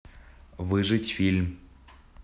выжить фильм